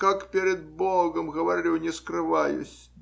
Как перед богом говорю, не скрываюсь